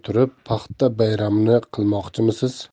turib paxta bayrami qilmoqchimiz